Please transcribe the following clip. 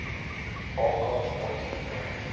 окко мультфильмы